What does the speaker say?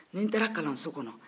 ni n taara kalanso kɔnɔ